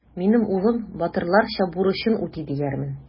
Минем улым батырларча бурычын үти диярмен.